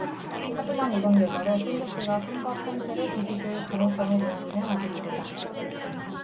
하지만 이번 결과로 샌더스가 선거 판세를 뒤집을 가능성을 논하기는 아직 이르다